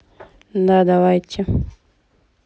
да давайте